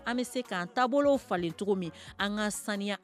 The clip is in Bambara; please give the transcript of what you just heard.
An bɛ se k'an taabolo falen cogo min an ka